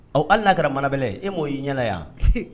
Awɔ, hali n'a kɛra manabɛlɛ e m'o y'i ɲɛna yan?